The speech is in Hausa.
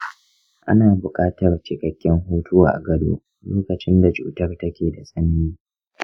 ana buƙatar cikakken hutu a gado lokacin da cutar take da tsanani.